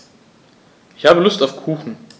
Ich habe Lust auf Kuchen.